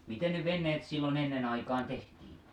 miten ne veneet silloin ennen aikaan tehtiin